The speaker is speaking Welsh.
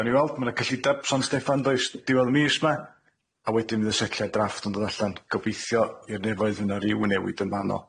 Gawn ni weld ma' na cyllidab San Steffan does diwedd y mis ma', a wedyn fydd y setlle drafft yn dod allan gobeithio i'r nefoedd yna ryw yn newid yn fano.